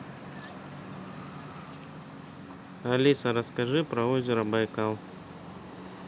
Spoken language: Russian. алиса расскажи про озеро байкал